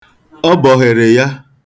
Ọ bọherere ya.